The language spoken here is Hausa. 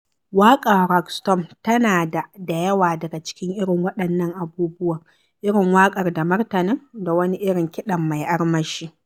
Waƙar "Rag Storm" tana da da yawa daga cikin irin waɗannan abubuwan - irin waƙar da martanin, da wani irin kiɗan mai armashi.